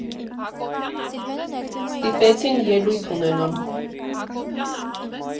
Ստիպեցին ելույթ ունենամ։